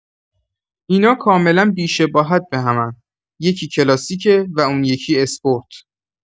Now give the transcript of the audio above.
اینا کاملا بی‌شباهت به همن، یکی کلاسیکه و اون یکی اسپرت.